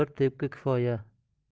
bir tepki kifoya